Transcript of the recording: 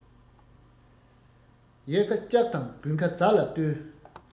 དབྱར ཁ ལྕགས དང དགུན ཁ རྫ ལ ལྟོས